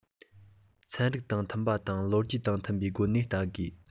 ཚན རིག དང མཐུན པ དང ལོ རྒྱུས དང མཐུན པའི སྒོ ནས བལྟ དགོས